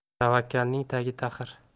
tavakkalning tagi taxir